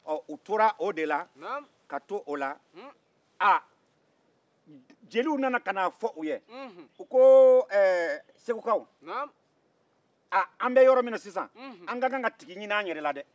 u tora o de la ka to la aa jeliw nana ka na f'u ye ko segukaw an bɛ yɔrɔ min na sisan an ka kan ka tigi ɲini an yɛrɛ la